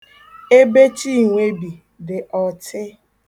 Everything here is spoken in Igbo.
Ebe Chinwe bi dị ọtị